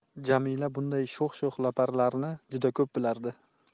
jamila bunday sho'x sho'x laparlarni juda ko'p bilardi